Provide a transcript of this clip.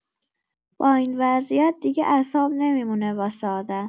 با این وضعیت دیگه اعصاب نمی‌مونه واسه آدم.